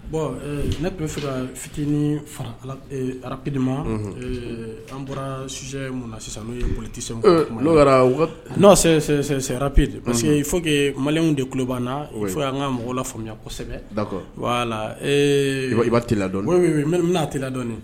Bɔn ne tun bɛ fɛ ka fitinin arapdima an bɔra s mun na sisan n'o ye mo tɛsɛ olu yɛrɛ n'o sɛp de parce que fo que maliw de ku banna fo y'an ka mɔgɔ la faamuyaya kosɛbɛ wala ee i t ladɔn bɛna tɛdɔn nin